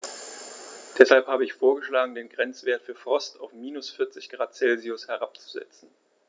Deshalb habe ich vorgeschlagen, den Grenzwert für Frost auf -40 ºC herabzusetzen.